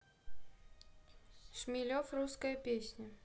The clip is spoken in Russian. шмелев русская песня